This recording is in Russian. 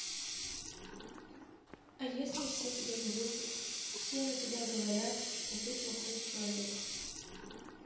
а если все тебя не любят все на тебя говорят что ты плохой человек